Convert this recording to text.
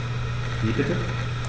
Wie bitte?